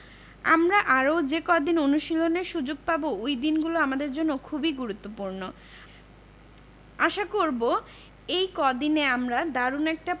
আমরা আরও যে কদিন অনুশীলনের সুযোগ পাব ঐ দিনগুলো আমাদের জন্য খুবই গুরুত্বপূর্ণ আশা করব এই কদিনে আমরা দারুণ একটা